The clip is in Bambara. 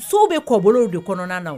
So bɛ kɔbolow de kɔnɔna na